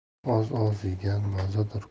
oz oz yegan mazadur